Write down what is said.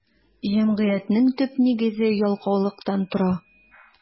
Җәмгыятьнең төп нигезе ялкаулыктан тора.